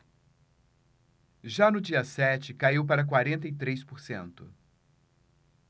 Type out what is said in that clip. já no dia sete caiu para quarenta e três por cento